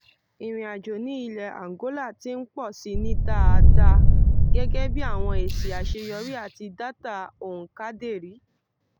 Ìrìn-àjò ní ilẹ̀ Angola ti ń pọ̀ si ní dáadáa, gẹ́gẹ́ bí àwọn èsì àṣeyọrí àti dátà òǹkàdérí.